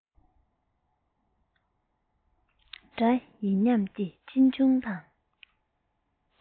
སྒྲ ཡིན ཉམས ཀྱིས གཅེན གཅུང དང